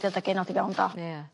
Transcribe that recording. ...i dod â genod i fewn do? Ia.